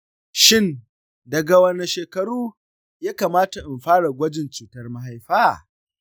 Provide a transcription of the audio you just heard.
shin daga wane shekaru ya kamata in fara gwajin cutar mahaifa ?